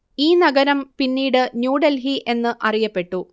ഈ നഗരം പിന്നീട് ന്യൂ ഡെൽഹി എന്ന് അറിയപ്പെട്ടു